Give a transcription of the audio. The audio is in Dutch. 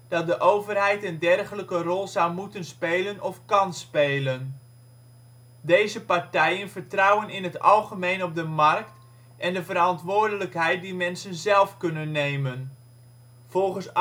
dat de overheid een dergelijke rol zou moeten spelen of kan spelen. Deze partijen vertrouwen in het algemeen op de markt en de verantwoordelijkheid die mensen zelf kunnen nemen. Volgens